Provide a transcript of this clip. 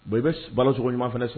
Bon i bɛ bala so ɲuman fana sɔrɔ